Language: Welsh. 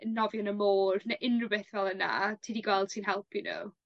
nofio'n y môr ne' unryw beth fel yna ti 'di gweld sy'n helpu n'w?